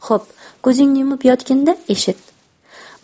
xo'p ko'zingni yumib yotgin da eshit